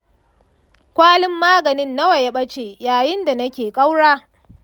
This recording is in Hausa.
kwalin maganin nawa ya ɓace yayin da nake ƙaura.